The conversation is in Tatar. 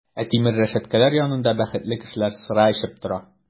Ә тимер рәшәткәләр янында бәхетле кешеләр сыра эчеп тора!